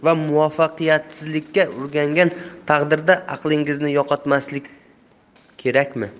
va muvaffaqiyatsizlikka uchragan taqdirda aqlingizni yo'qotmaslik kerakmi